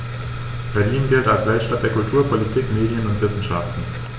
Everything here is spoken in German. Berlin gilt als Weltstadt der Kultur, Politik, Medien und Wissenschaften.